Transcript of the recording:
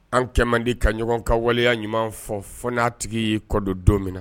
An kɛ man di ka ɲɔgɔn ka waleya ɲuman fɔ fɔ n'a tigi y yei kɔdon don minna